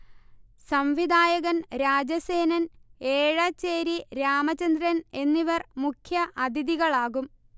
സംവിധായകൻ രാജസേനൻ, ഏഴച്ചേരി രാമചന്ദ്രൻ എന്നിവർ മുഖ്യഅഥിതികളാകും